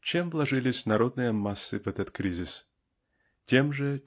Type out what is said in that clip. Чем вложились народные массы в этот кризис? Тем же